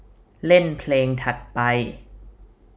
เล่นเพลงถัดไป